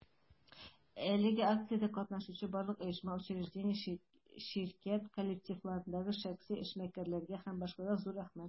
Әлеге акциядә катнашучы барлык оешма, учреждение, ширкәт коллективларына, шәхси эшмәкәрләргә һ.б. зур рәхмәт!